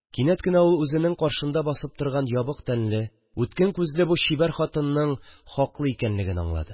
Кинәт кенә ул үзенең каршында басып торган ябык тәнле, үткен күзле бу чибәр хатынның хаклы икәнлеген аңлады